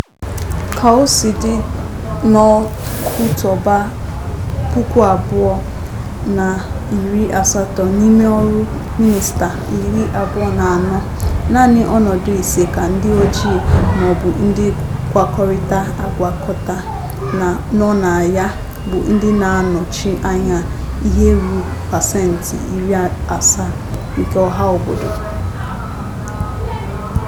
Ka o si dị n'Okutoba 2018, n'ime ọrụ minista 24, naanị ọnọdụ ise ka ndị ojii ma ọ bụ ndị gwakọtara agwakọta nọ na ya, bụ ndị na-anọchii anya ihe ruru pasentị 70 nke ọha obodo.